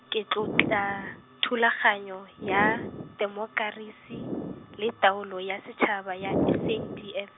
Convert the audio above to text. ke tlotla, thulaganyo ya, temokerasi, le taolo ya setšhaba ya S A D F.